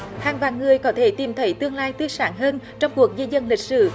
hàng vạn người có thể tìm thấy tương lai tươi sáng hơn trong cuộc di dân lịch sử